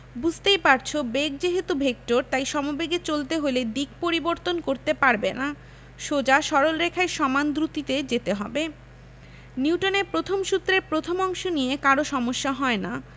বুঝতেই পারছ বেগ যেহেতু ভেক্টর তাই সমবেগে চলতে হলে দিক পরিবর্তন করতে পারবে না সোজা সরল রেখায় সমান দ্রুতিতে যেতে হবে নিউটনের প্রথম সূত্রের প্রথম অংশ নিয়ে কারো সমস্যা হয় না